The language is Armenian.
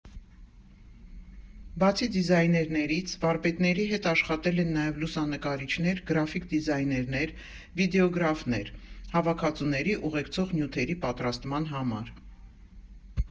Բացի դիզայներներից վարպետների հետ աշխատել են նաև լուսանկարիչներ, գրաֆիկ դիզայներներ, վիդեոգրաֆներ՝ հավաքածուների ուղեկցող նյութերի պատրաստման համար։